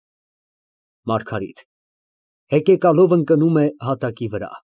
ՄԱՐԳԱՐԻՏ ֊ Հեկեկալով ընկնում է հատակի վրա։